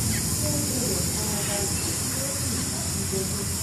Wọ́n gbọ́dọ̀ farabalẹ̀ kí wọ́n sì dákẹ́jẹ́jẹ́.''